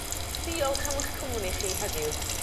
Diolch am 'ych cwmni chi heddiw.